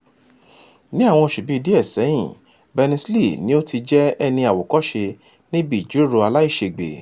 Ní àwọn oṣù bí díẹ̀ ṣẹ́yìn, Berners-Lee ni ó ti jẹ́ ẹní àwòkọ́ṣe níbi ìjíròrò aláìṣègbè.